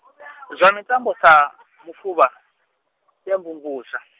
zwa mutambo sa , mufuvha, i ya mvumvusa.